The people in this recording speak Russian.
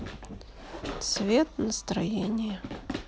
цвет настроения